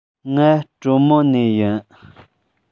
ང གྲོ མོ ནས ཡིན